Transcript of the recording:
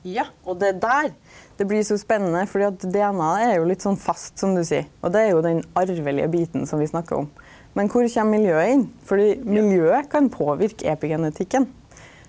ja og det er der det blir så spennande fordi at DNA-et er jo litt sånn fast som du seier, og det er jo den arvelege biten som vi snakkar om, men kvar kjem miljøet inn fordi miljøet kan påverka epigenetikken.